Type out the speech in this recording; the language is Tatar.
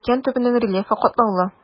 Океан төбенең рельефы катлаулы.